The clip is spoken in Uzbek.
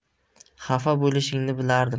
xafa bo'lishingni bilardim